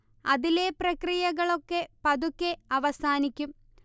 അതിലെ പ്രക്രിയകളൊക്കെ പതുക്കെ അവസാനിക്കും